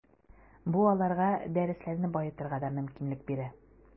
Бу аларга дәресләрне баетырга да мөмкинлек бирә.